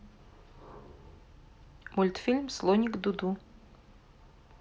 мультфильм слоник дуду